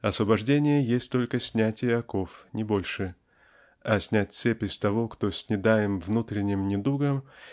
Освобождение есть только снятие оков, не больше а снять цепи с того кто снедаем внутренним недугом